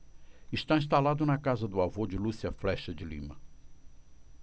está instalado na casa do avô de lúcia flexa de lima